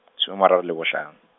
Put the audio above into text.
-tso mararo le bohlano.